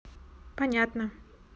понятно